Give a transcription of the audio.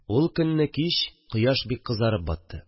Ул көнне кич кояш бик кызарып батты